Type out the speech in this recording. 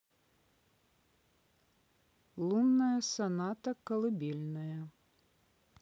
лунная соната колыбельная